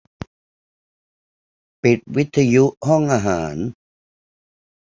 ปิดวิทยุห้องอาหาร